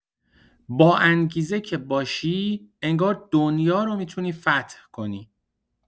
باانگیزه که باشی، انگار دنیا رو می‌تونی فتح کنی.